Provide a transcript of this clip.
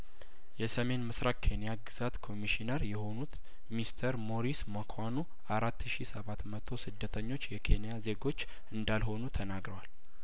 የሰሜን ምስራቅ ኬንያ ግዛት ኮሚሽነር የሆኑት ሚስተር ሞሪስ መኮኑ አራት ሺ ሰባት መቶ ስደተኞች የኬንያ ዜጐች እንዳልሆኑ ተናግረዋል